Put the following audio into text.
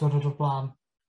diwrnod o'r bla'n.